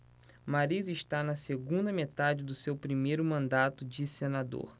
mariz está na segunda metade do seu primeiro mandato de senador